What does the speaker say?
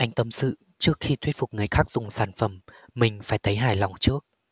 anh tâm sự trước khi thuyết phục người khác dùng sản phẩm mình phải thấy hài lòng trước